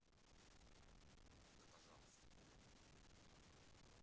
да пожалуйста